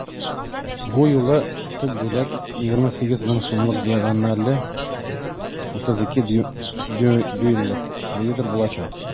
Бу юлы төп бүләк 28 мең сумлык диагонале 32 дюймлык телевизор булачак.